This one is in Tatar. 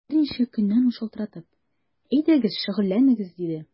Берничә көннән ул шалтыратып: “Әйдәгез, шөгыльләнегез”, диде.